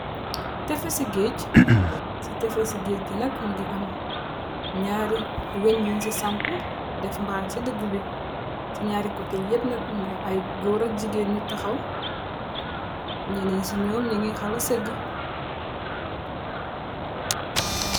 Teefes si geej, si teefes si geej ngi nak, mingi am nyaari wenj yuny si sampu, def mbaar si digge bi, si nyaari kote yem nak, mingi am ay goor ak jigeen nyu taxaw, nyenen nyi si nyom, nyingi xala segg.